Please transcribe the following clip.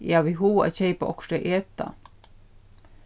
eg havi hug at keypa okkurt at eta